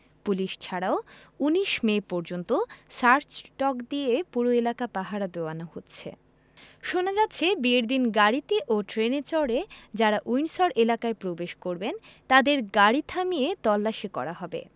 police ছাড়াও ১৯ May পর্যন্ত search dog দিয়ে পুরো এলাকা পাহারা দেওয়ানো হচ্ছে শোনা যাচ্ছে বিয়ের দিন গাড়িতে ও ট্রেনে চড়ে যাঁরা উইন্ডসর এলাকায় প্রবেশ করবেন তাঁদের গাড়ি থামিয়ে তল্লাশি করা হবে